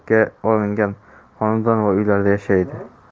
ko'pi ijaraga olingan xonadon va uylarda yashaydi